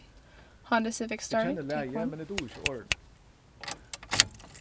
eg kenni lagið men eg dugi ikki orðini